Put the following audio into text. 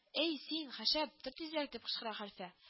– әй, син, хәшәп, тор тизрәк! – дип кычкыра хәлфә